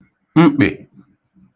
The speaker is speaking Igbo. mkpị̀